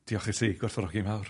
Diolch i ti, gwerthfawrogi mawr.